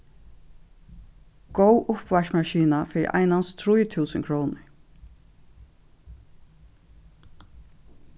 góð uppvaskimaskina fyri einans trý túsund krónur